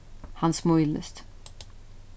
hann smílist